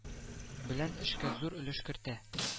Белән эшкә зур өлеш кертә